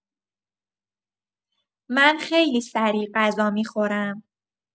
من خیلی سریع غذا می‌خورم.